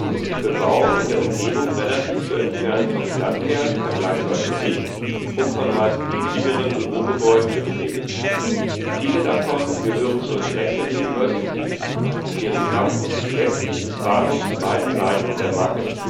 ist die Bebauung in der Umgebung relativ zur Entfernung vom Stadtkern vergleichsweise dicht und von meist niedrigeren Bürogebäuden geprägt. Viele davon gehören zur Drexel University, deren Campus sich westlich des Bahnhofs zu beiden Seiten der Market